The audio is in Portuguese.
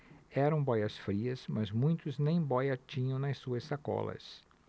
eram bóias-frias mas muitos nem bóia tinham nas suas sacolas